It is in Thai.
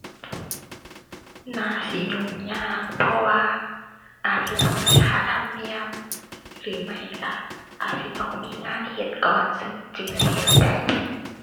น่าสิยุ่งยาก เพราะว่าอาจสิต้องมีค่าธรรมเนียม หรือไม่ก็อาจสิต้องมีงานเฮ็ดก่อน ซึ่ง จึงสิเฮ็ดได้